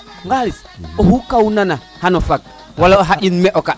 ŋaxis o xu kawunana xana fag wala o xaƴin me kaw tana